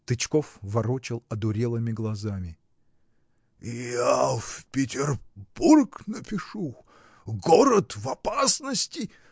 Тычков ворочал одурелыми глазами. — Я в Петербург напишу. город в опасности.